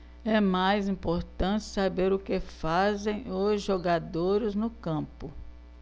é mais importante saber o que fazem os jogadores no campo